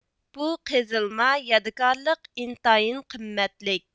بۇ قېزىلما يادىكارلىق ئىنتايىن قىممەتلىك